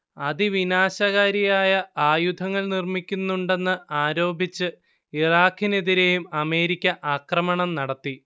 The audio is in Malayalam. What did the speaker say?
അതിവിനാശകാരിയായ ആയുധങ്ങൾ നിർമ്മിക്കുന്നുണ്ടെന്ന് ആരോപിച്ച് ഇറാഖിനെതിരെയും അമേരിക്ക ആക്രമണം നടത്തി